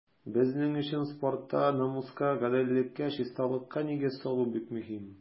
Безнең өчен спортта намуска, гаделлеккә, чисталыкка нигез салу бик мөһим.